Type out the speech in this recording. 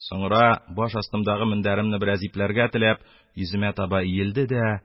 Соңра баш астындагы мендәремне бераз ипләргә теләп, йөземә таба иелде дә